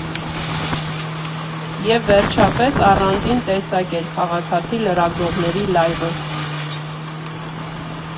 Եվ վերջապես, առանձին տեսակ էր քաղաքացի֊լրագրողների լայվը։